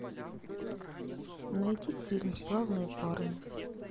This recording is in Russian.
найди фильм славные парни